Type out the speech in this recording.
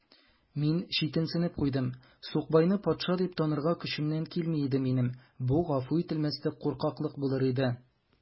Мин читенсенеп куйдым: сукбайны патша дип танырга көчемнән килми иде минем: бу гафу ителмәслек куркаклык булыр иде.